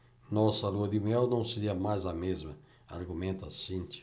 nossa lua-de-mel não seria mais a mesma argumenta cíntia